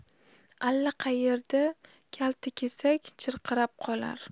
allaqayerda kaltakesak chirqillab qolar